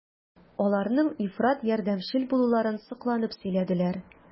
Аларның ифрат ярдәмчел булуларын сокланып сөйләделәр.